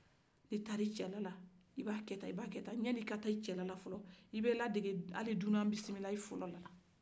ni i taara i cɛlala i bɛ a kɛtan i bɛ a kɛtan yani i ka taa cɛlala fɔlɔ i bɛ la dege ali dunan bisimilali fɔlɔla i